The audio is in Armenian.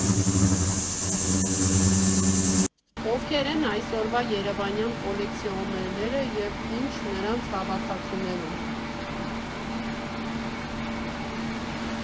Ովքե՞ր են այսօրվա երևանյան կոլեկցիոներները և ի՞նչ նրանց հավաքածուներում։